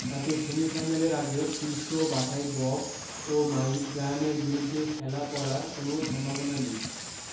তাতে সেমিফাইনালের আগে শীর্ষ বাছাই বব ও মাইক ব্রায়ানের বিরুদ্ধে খেলা পড়ার কোনও সম্ভাবনা নেই